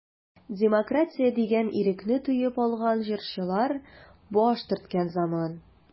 Демократия дигән ирекне тоеп алган җырчылар баш төрткән заман.